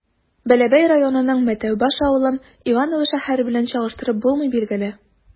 Бәләбәй районының Мәтәүбаш авылын Иваново шәһәре белән чагыштырып булмый, билгеле.